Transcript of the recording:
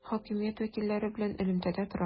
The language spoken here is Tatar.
Хакимият вәкилләре белән элемтәдә тора.